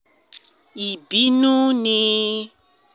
Ìbínú ni,”